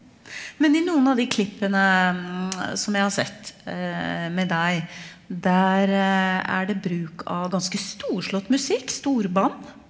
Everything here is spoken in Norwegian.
men i noen av de klippene som jeg har sett med deg der er det bruk av ganske storslått musikk storband.